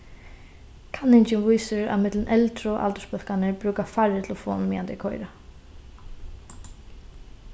kanningin vísir at millum eldru aldursbólkarnar brúka færri telefon meðan tey koyra